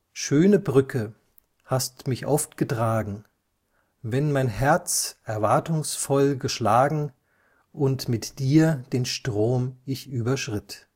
Schöne Brücke, hast mich oft getragen, Wenn mein Herz erwartungsvoll geschlagen Und mit dir den Strom ich überschritt